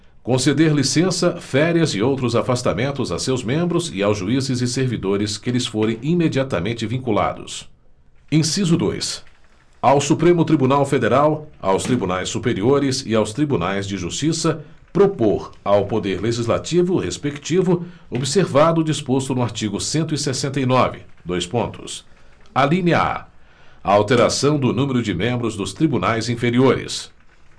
conceder licença férias e outros afastamentos a seus membros e aos juízes e servidores que lhes forem imediatamente vinculados inciso dois ao supremo tribunal federal aos tribunais superiores e aos tribunais de justiça propor ao poder legislativo respectivo observado o disposto no artigo cento e sessenta e nove dois pontos alínea a a alteração do número de membros dos tribunais inferiores